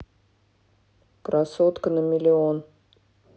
красотка на миллион